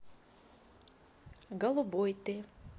голубой ты